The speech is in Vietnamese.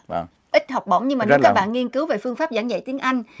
ít học bổng nhưng mà nếu các bạn nghiên cứu về phương pháp giảng dạy tiếng anh